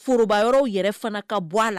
Foroba yɔrɔw yɛrɛ fana ka bɔ a la